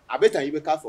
A bɛ ta i bɛ'a fɔ